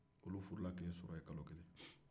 oluw furula k'a e sɔrɔ kalo kelen